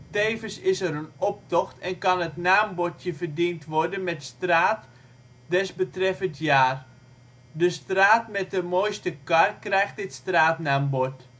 Tevens is er een optocht en kan het naambordje verdiend worden met Straat (desbetreffend jaar). De straat met de mooiste kar krijgt dit straatnaambord